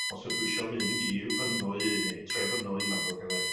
os ydw i isio mynd i Fynwy ne' Trefynwy mae'n ddrwg gynnai